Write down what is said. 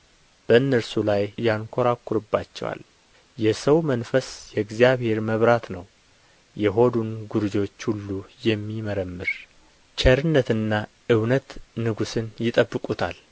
በእነርሱ ላይ ያንኰራኵርባቸዋል የሰው መንፈስ የእግዚአብሔር መብራት ነው የሆዱን ጕርጆች ሁሉ የሚመረምር ቸርነትና እውነት ንጉሥን ይጠብቁታል